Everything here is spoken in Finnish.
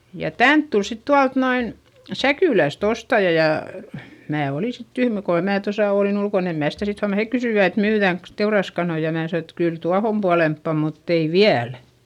ja tänne tuli sitten tuolta noin Säkylästä ostaja ja minä olin sitten tyhmä kunhan minä tuossa olin ulkona en minä sitä sitten huomannut he kysyivät että myydäänkös teuraskanoja ja minä sanoin että kyllä tuohon puolempaan mutta ei vielä